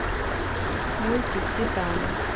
мультик титаны